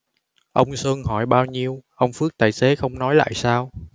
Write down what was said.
ông xuân hỏi bao nhiêu ông phước tài xế không nói lại sao